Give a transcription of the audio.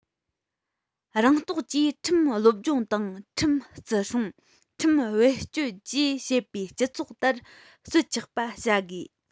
རང རྟོགས ཀྱིས ཁྲིམས སློབ སྦྱོང དང ཁྲིམས བརྩི སྲུང ཁྲིམས བེད སྤྱོད བཅས བྱེད པའི སྤྱི ཚོགས དར སྲོལ ཆགས པ བྱ དགོས